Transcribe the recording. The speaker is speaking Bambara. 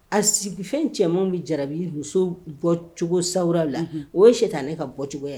A sigi fɛn cɛmanw bɛ jarabi muso bɔ cogo sawura la, unhun, o ye sitana ka bɔcogo ye.